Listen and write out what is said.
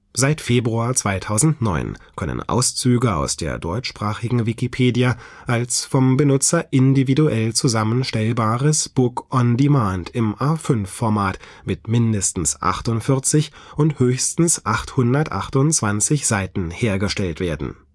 Seit Februar 2009 können Auszüge aus der deutschsprachigen Wikipedia als vom Benutzer individuell zusammenstellbares Book-on-Demand im A5-Format mit mindestens 48 und höchstens 828 Seiten hergestellt werden